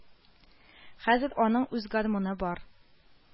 Хәзер аның үз гармуны бар